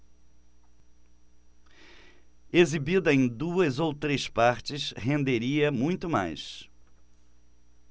exibida em duas ou três partes renderia muito mais